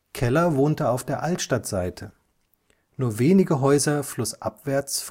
Keller wohnte auf der Altstadtseite, nur wenige Häuser flussabwärts